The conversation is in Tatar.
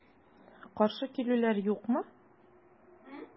Каршы килүләр юкмы?